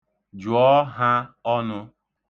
Jụọ ha ọnụ.